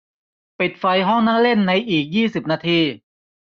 ปิดไฟห้องนั่งเล่นในอีกยี่สิบนาที